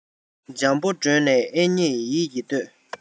འཇམ པོ བསྒྲོན ནས ཨེ མཉེས ཡིད ཀྱིས ལྷོས